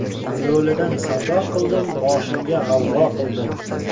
lo'lidan savdo qildim boshimga g'avg'o qildim